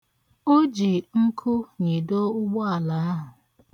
O ji nkụ nyido ụgbọala ahụ.